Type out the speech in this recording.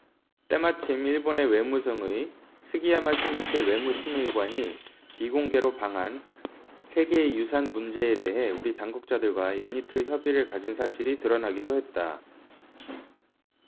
때마침 일본 외무성의 스기야마 신스케 외무심의관이 비공개로 방한 세계유산 문제에 대해 우리 당국자들과 연이틀 협의를 가진 사실이 드러나기도 했다